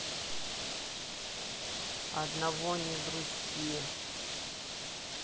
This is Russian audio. одного не грусти